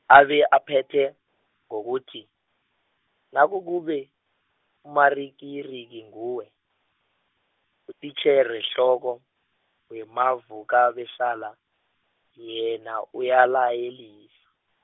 abe aphethe ngokuthi, nakukube, uMarikiriki nguye, utitjherehloko, weMavukabesala, yena uyalayelisa.